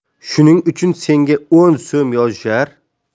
shuning uchun senga o'n so'm yozishar